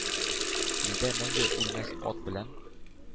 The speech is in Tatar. Илдә мәңге үлмәс ат белән